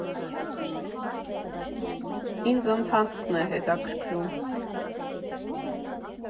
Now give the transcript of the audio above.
Ինձ ընթացքն է հետաքրքրում։